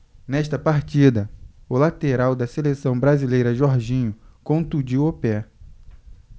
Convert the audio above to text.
nesta partida o lateral da seleção brasileira jorginho contundiu o pé